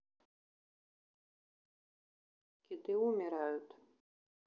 киты умирают